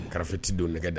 Karafeti don nɛgɛ da